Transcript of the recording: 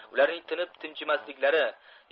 ularning tinib tinchimasliklari